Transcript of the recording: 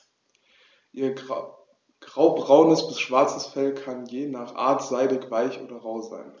Ihr graubraunes bis schwarzes Fell kann je nach Art seidig-weich oder rau sein.